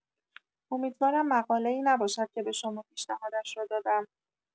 امیدوارم مقاله‌ای نباشد که به شما پیشنهادش را دادم.